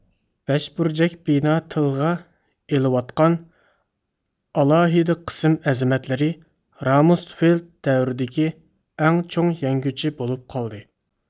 بەشبۇرجەك بىنا تىلغا ئېلىۋاتقان ئالاھىدە قىسىم ئەزىمەتلىرى رامۇسفېلد دەۋرىدىكى ئەڭ چوڭ يەڭگۈچى بولۇپ قالدى